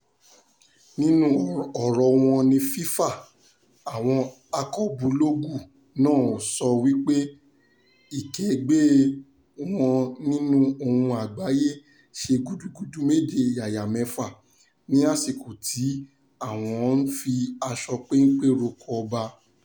Nínú ọ̀rọ̀ wọn ní FIFA, àwọn akọbúlọ́ọ̀gù náà sọ wípé ìkẹ́gbẹ́ẹ wọn nínú Ohùn Àgbáyé ṣe gudugudu méje yàyà mẹ́fà ní àsìkò tí àwọn ń fi aṣọ pénpé ro oko ọba.